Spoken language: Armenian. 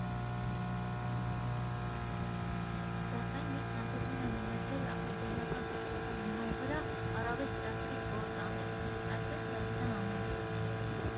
Սակայն միշտ ցանկություն եմ ունեցել ակադեմիական կրթության հիման վրա առավել պրակտիկ գործ անել, այդպես դարձա համադրող։